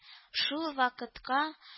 Шул вакытка